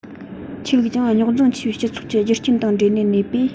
ཆོས ལུགས ཀྱང རྙོག འཛིང ཆེ བའི སྤྱི ཚོགས ཀྱི རྒྱུ རྐྱེན དང འདྲེས ནས གནས པས